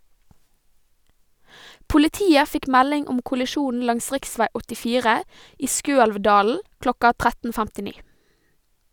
Politiet fikk melding om kollisjonen langs riksvei 84 i Skøelvdalen klokka 13.59.